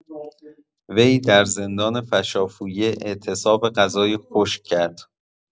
وی در زندان فشافویه اعتصاب غذای خشک کرد.